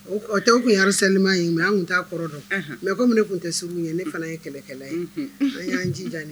O o tɛ o kun ye harcellement ye ŋa n kun t'a kɔrɔ dɔn unhun mais comme ne kun tɛ sir'un ɲɛ ne fana ye kɛlɛkɛla ye unhun an y'an jija ni ɲ